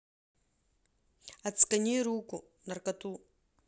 отскани руку наркоту